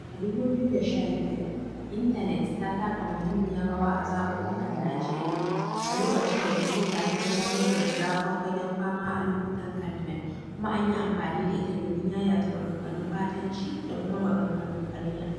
A 2015, intanet ta taka muhimmiyar rawa a zaɓuɓɓukan Najeriya a lokacin da Tuwita ta zama wani zazzafan fagen fama a lokutan kamfen kuma an yi amfani da ita domin yayata maganganun ɓatanci da kuma maganganun ƙarya.